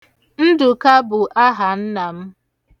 Ndụka bụ ahanna m.